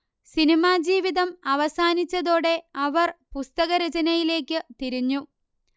cinema ജീവിതം അവസാനിച്ചതോടെ അവർ പുസ്തക രചനയിലേക്കു തിരിഞ്ഞു